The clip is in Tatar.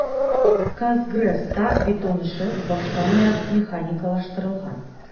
"казгрэс"та бетон эше баштанаяк механикалаштырылган.